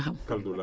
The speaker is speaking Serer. kaldu